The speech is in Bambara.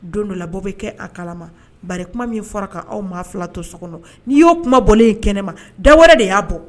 Don dɔ labɔ bɛ kɛ a kalama ba kuma min fɔra k'aw maa fila to so kɔnɔ n'i y'o kuma bɔlen in kɛnɛ ma da wɛrɛ de y'a bɔ